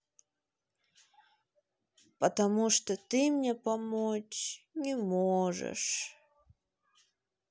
потому что ты мне помочь не можешь